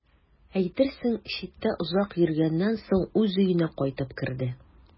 Әйтерсең, читтә озак йөргәннән соң үз өенә кайтып керде.